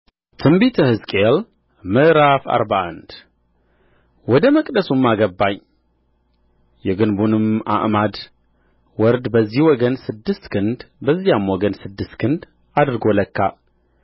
በትንቢተ ሕዝቅኤል ምዕራፍ አርባ አንድ ወደ መቅደሱም አገባኝ የግንቡንም አዕማድ ወርድ በዚህ ወገን ስድስት ክንድ በዚያም ወገን ስድስት ክንድ አድርጎ ለካ